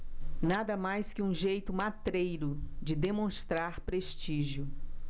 nada mais que um jeito matreiro de demonstrar prestígio